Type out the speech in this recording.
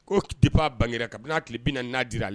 Ko de b'a bange ka bɛna a tile bi nadira ale la